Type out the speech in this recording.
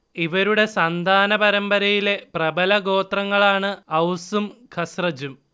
ഇവരുടെ സന്താന പരമ്പരയിലെ പ്രബല ഗോത്രങ്ങളാണ് ഔസും ഖസ്റജും